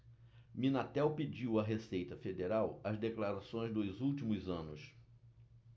minatel pediu à receita federal as declarações dos últimos anos